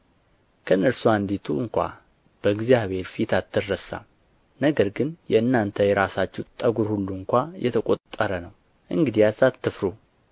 ከእነርሱም አንዲቱ ስንኳ በእግዚአብሔር ፊት አትረሳም ነገር ግን የእናንተ የራሳችሁ ጠጕር ሁሉ እንኳ የተቈጠረ ነው እንግዲያስ አትፍሩ